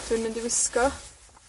Dwi'n mynd i wisgo,